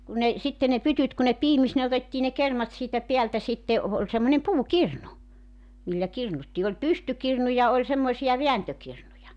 kun ne sitten ne pytyt kun ne piimisi ne otettiin ne kermat siitä päältä sitten - oli semmoinen puukirnu millä kirnuttiin oli pystykirnu ja oli semmoisia vääntökirnuja